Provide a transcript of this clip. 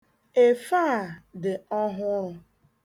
Efe a dị ọhụrụ